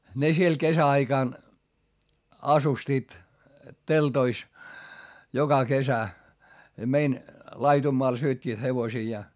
ne siellä kesäaikaan asustivat teltoissa joka kesä meidän laidunmaalla syöttivät hevosiaan